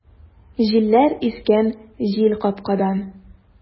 Җилләр искән җилкапкадан!